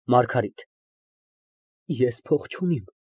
ՄԱՐԳԱՐԻՏ ֊ Ես փող չունիմ։